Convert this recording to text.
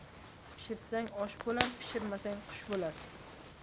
pishirsang osh bo'lar pishirmasang qush bo'lar